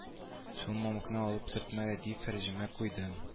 Шул мамыкны алып сөртмәгә дип фәрҗемә куйдым